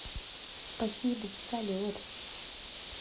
спасибо за салют